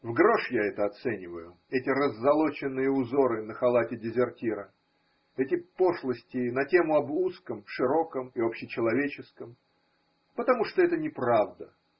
В грош я это оцениваю, эти раззолоченные узоры на халате дезертира, эти пошлости на тему об узком, широком и общечеловеческом, потому что это неправда.